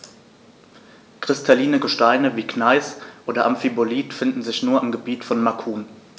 Kristalline Gesteine wie Gneis oder Amphibolit finden sich nur im Gebiet von Macun.